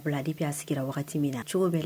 Bila depuis a sigira wagati min na cogo bɛɛ la